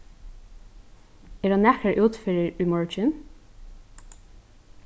eru nakrar útferðir í morgin